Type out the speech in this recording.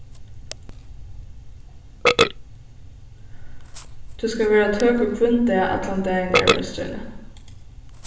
tú skalt vera tøkur hvønn dag allan dagin í arbeiðstíðini